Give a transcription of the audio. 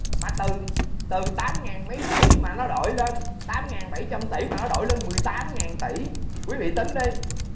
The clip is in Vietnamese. mà từ từ tám ngàn mấy tỷ mà nó đổi lên tám ngàn bảy trăm tỷ mà nó đổi lên mười tám ngàn tỷ quý vị tính đi